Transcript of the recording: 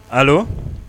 Ayiwa